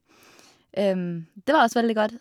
Det var også veldig godt.